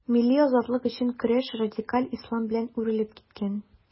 Милли азатлык өчен көрәш радикаль ислам белән үрелеп киткән.